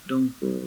Donc